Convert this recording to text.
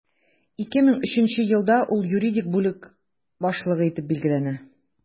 2003 елда ул юридик бүлек башлыгы итеп билгеләнә.